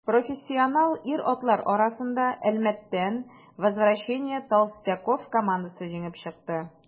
Профессионал ир-атлар арасында Әлмәттән «Возвращение толстяков» командасы җиңеп чыкты.